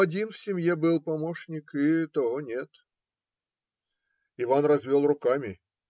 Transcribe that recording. Один в семье был помощник, и того нет. Иван развел руками.